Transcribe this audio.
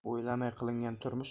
o'ylamay qilingan turmush